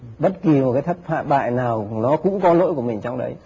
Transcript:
bất kì một cái thất bại nào nó cũng có lỗi của mình trong đấy